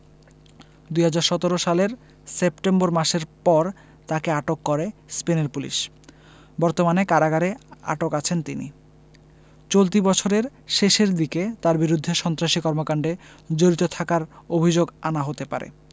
২০১৭ সালের সেপ্টেম্বর মাসের পর তাকে আটক করে স্পেনের পুলিশ বর্তমানে কারাগারে আটক আছেন তিনি চলতি বছরের শেষের দিকে তাঁর বিরুদ্ধে সন্ত্রাসী কর্মকাণ্ডে জড়িত থাকার অভিযোগ আনা হতে পারে